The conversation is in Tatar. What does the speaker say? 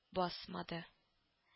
Басмады